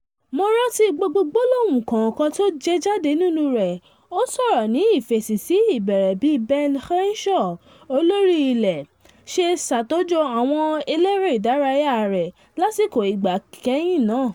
“Mo ránti gbogbo gbolohun kọ̀ọ̀kan tó jẹ jáde nínú rẹ̀,” ó sọ̀rọ̀ ní ìfèsì sí ìbéèrè bí Ben Crenshaw, olórí ilé ní 1999, ṣe ṣàtòjọ̀ àwọn eléré ìdárayá rẹ̀ lásìkò ìgbà ìkẹ̀hìn náà.